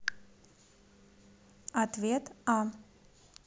ответ а